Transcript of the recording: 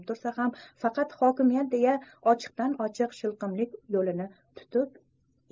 tursa ham faqat hokimiyat deya ochiqdan ochiq surbetlik yo'lini tutib